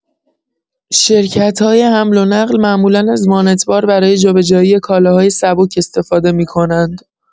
شرکت‌های حمل‌ونقل معمولا از وانت‌بار برای جابجایی کالاهای سبک استفاده می‌کنند.